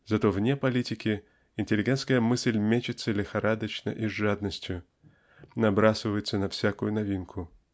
Зато вне политики интеллигентская мысль мечется лихорадочно и с жадностью набрасывается на всякую новинку.